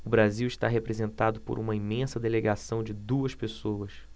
o brasil está representado por uma imensa delegação de duas pessoas